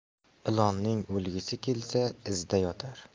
ilonning o'lgisi kelsa izda yotar